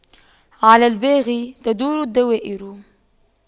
على الباغي تدور الدوائر